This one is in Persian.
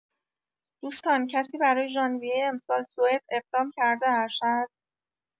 دوستان کسی برای ژانویه امسال سوئد اقدام کرده ارشد؟